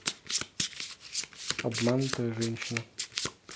обманутая женщина